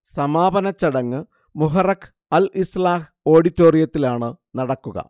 സമാപനച്ചടങ്ങ് Muharraq Al Islah ഓഡിറ്റോറിയത്തിലാണ് നടക്കുക